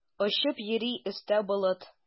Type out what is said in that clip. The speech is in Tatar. Очып йөри өстә болыт.